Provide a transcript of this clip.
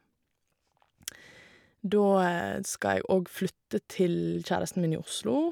Da skal jeg òg flytte til kjæresten min i Oslo.